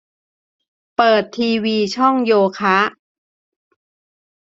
เปิดทีวีช่องโยคะ